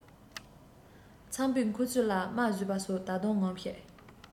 ཚངས པའི མཁུར ཚོས ལ རྨ བཟོས པ སོགས ད དུང ངོམས ཤིག